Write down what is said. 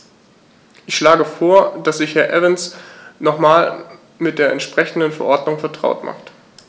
Ich schlage vor, dass sich Herr Evans nochmals mit der entsprechenden Verordnung vertraut macht.